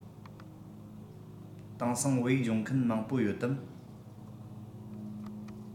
དེང སང བོད ཡིག སྦྱོང མཁན མང པོ ཡོད དམ